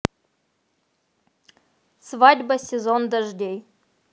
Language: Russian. свадьба сезон дождей